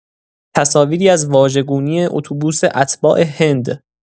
تصاویری از واژگونی اتوبوس اتباع هند